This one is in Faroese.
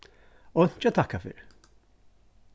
einki at takka fyri